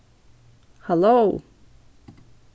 halló